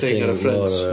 Thing yn y ffrynt.